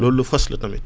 loolu lu fës la tamit